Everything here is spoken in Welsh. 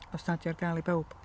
Os nad 'di o ar gael i bawb?